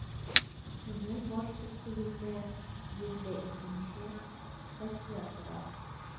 Сезнең баш өстегездә 102 нче статья тора.